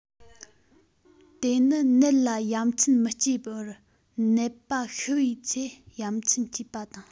དེ ནི ནད ལ ཡ མཚན མི སྐྱེ བར ནད པ ཤི བའི ཚེ ཡ མཚན སྐྱེས པ དང